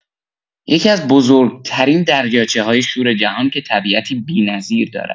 یکی‌از بزرگ‌ترین دریاچه‌های شور جهان که طبیعتی بی‌نظیر دارد.